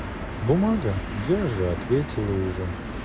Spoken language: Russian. бумага я же ответила уже